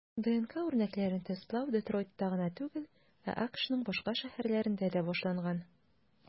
ДНК үрнәкләрен тестлау Детройтта гына түгел, ә АКШның башка шәһәрләрендә дә башланган.